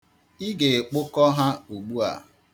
Ị ga-ekpokọ ha ugbua.